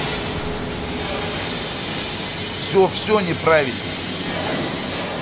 все все неправильно